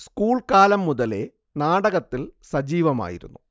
school കാലം മുതലേ നാടകത്തിൽ സജീവമായിരുന്നു